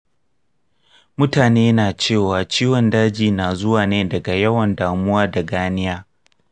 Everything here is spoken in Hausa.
mutane na cewa ciwon daji na zuwa ne daga yawan damuwa da ganiya.